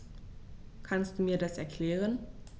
Kannst du mir das erklären?